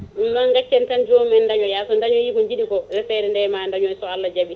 ma gaccen tan jomum en dañoya so dañoyi ko jiiɗi ko resede ma dañoy so Allah jaaɓi